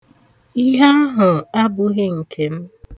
Ihe ahụ abụghị nke m.